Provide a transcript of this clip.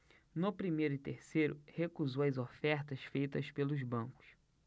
no primeiro e terceiro recusou as ofertas feitas pelos bancos